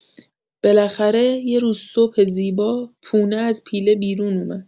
بالاخره، یه روز صبح زیبا، پونه از پیله بیرون اومد.